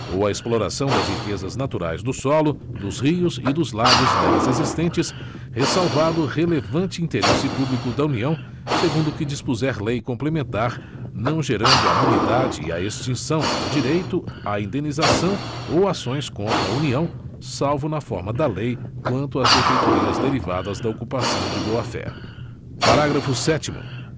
ou a exploração das riquezas naturais do solo dos rios e dos lagos nelas existentes ressalvado relevante interesse público da união segundo o que dispuser lei complementar não gerando a nulidade e a extinção direito a indenização ou ações contra a união salvo na forma da lei quanto às benfeitorias derivadas da ocupação de boa fé parágrafo sétimo